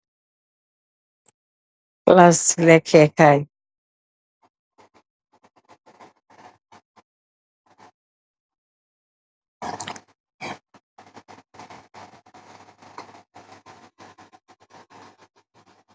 Palaas i lékee kaay